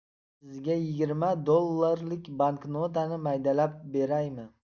sizga yigirma dollarlik banknotani maydalab beraymi